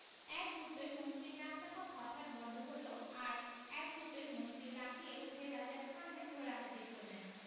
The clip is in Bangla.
এক গুতোয় মন্ত্রীর নাক ডাকা হঠাৎ বন্ধ হল আর এক গুতোয় মন্ত্রী লাফিয়ে উঠে রাজার সামনে ঘোড়া হাজির করলেন